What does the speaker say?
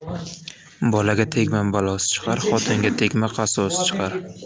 bolaga tegma balosi chiqar xotinga tegma qasosi chiqar